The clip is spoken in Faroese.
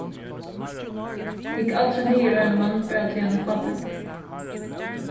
hygg aldri niður á ein mann bara tí at hann er fátækur